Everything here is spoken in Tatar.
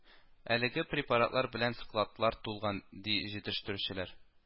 Әлеге препаратлар белән складлар тулган, ди җитештерүчеләр